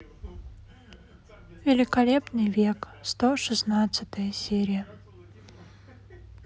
великолепный век сто шестнадцатая серия